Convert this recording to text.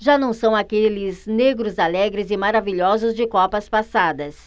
já não são aqueles negros alegres e maravilhosos de copas passadas